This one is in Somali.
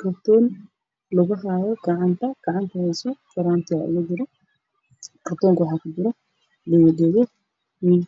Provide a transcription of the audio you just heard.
Gartool baa lagu hayo gacanta gacanta waxaa ku jira faraantii katongo waxaa ku jira baydhabo ku leh